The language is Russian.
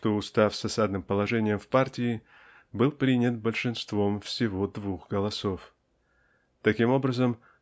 что устав с "осадным положением в партии" был принят большинством всего двух голосов. Таким образом